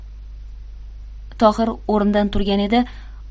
tohir o'rnidan turgan edi